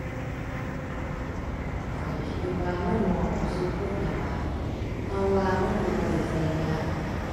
ข้อยคิดว่ามันเหมาะกับซุคนนั่นล่ะ เพราะว่ามันก็บ่ได้ก็ยาก